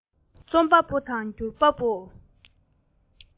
རྩོམ པ པོ དང སྒྱུར པ པོ